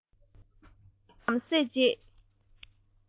ད དུང ཇ ཚ པོ ཅུང ཙམ བསྲེས རྗེས